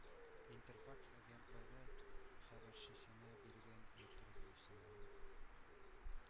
“интерфакс” агентлыгы хәбәрчесенә биргән интервьюсыннан